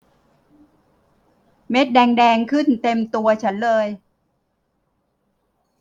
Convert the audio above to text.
เม็ดแดงแดงขึ้นเต็มตัวฉันเลย